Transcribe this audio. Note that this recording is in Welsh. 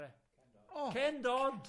Ken Dodd. O! Ken Dodd!